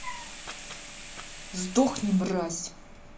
сдохни мразь